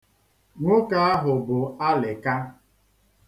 Nwoke ahụ bụ alịka.